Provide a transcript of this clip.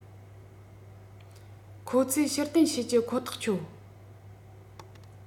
ཁོ ཚོས ཕྱིར འཐེན བྱེད ཀྱི ཁོ ཐག ཆོད